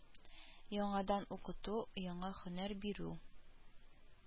Яңадан укыту, яңа һөнәр бирү